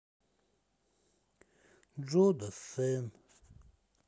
джо дассен